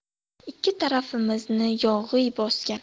ikki tarafimizni yog'iy bosgan